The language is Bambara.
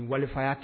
Waliya tɛ